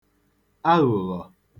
aghụ̀ghọ̀